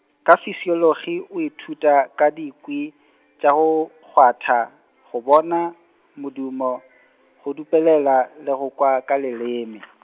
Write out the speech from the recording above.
ka fisiologi, o ithuta ka dikwi tša go kgwatha, go bona, modumo, go dupelela le go kwa ka leleme.